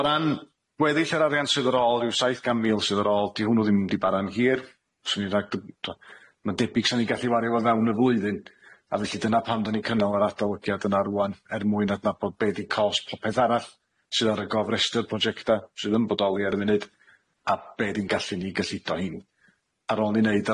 O ran gweddill yr arian sydd ar ôl, ryw saith gan mil sydd ar ôl 'di hwnnw ddim di bara'n hir swn i'n rhag dyb- ma'n debyg swn i gallu wario fo fewn y flwyddyn, a felly dyna pam dy'n ni cynnal yr adolygiad yna rŵan er mwyn adnabod be di cost popeth arall, sydd ar y gof restr prosiecta sydd yn bodoli ar y funud a be dy'n gallu ni gyllido 'i'n ar ôl i neud